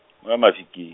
o a Mafike-.